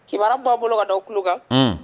Cɛba b'a bolo ka da ku kan